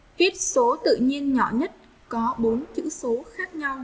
viết số tự nhiên nhỏ nhất có chữ số khác nhau